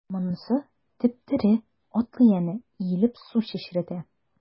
Ә монысы— теп-тере, атлый әнә, иелеп су чәчрәтә.